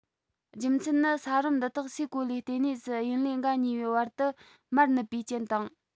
རྒྱུ མཚན ནི ས རིམ འདི དག སའི གོ ལའི ལྟེ གནས སུ དབྱིན ལེ འགའ ཉེ བའི བར དུ མར ནུབ པའི རྐྱེན དང